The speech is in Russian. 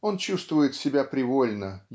он чувствует себя привольно